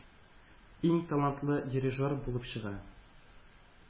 Иң талантлы “дирижер” булып чыга.